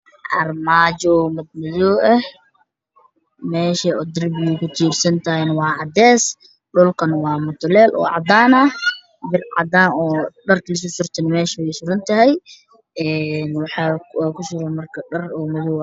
Waa armaajo fiyool ah meesha ay kutiirsan tahay waa cadeys dhulkana waa mutuleel cadaan ah, bir cadaan ah oo dharka lasurto ayaa meesha taalo, waxaa kujiro dhar madow ah.